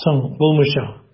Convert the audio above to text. Соң, булмыйча!